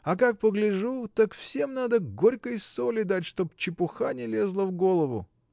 А как погляжу, так всем надо горькой соли дать, чтоб чепуха не лезла в голову.